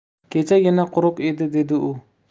kechagina quruq edi dedi u